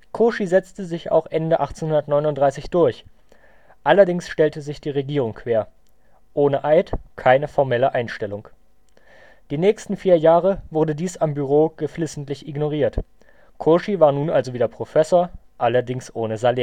Cauchy setzte sich auch Ende 1839 durch, allerdings stellte sich die Regierung quer: ohne Eid keine formelle Einstellung. Die nächsten vier Jahre wurde dies am Bureau geflissentlich ignoriert. Cauchy war nun also wieder Professor, allerdings ohne Salär